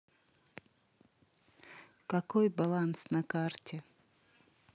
какой баланс на карте